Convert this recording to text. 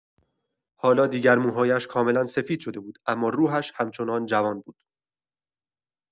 حالا دیگر موهایش کاملا سفید شده بود، اما روحش همچنان جوان بود.